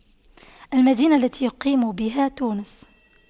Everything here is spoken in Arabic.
المدينة التي يقيم بها تونس